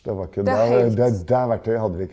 det var ikke det det det verktøyet hadde vi ikke.